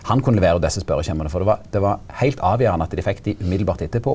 han kunne levera desse spørjeskjemaa for det var det var heilt avgjerande at dei fekk dei direkte etterpå.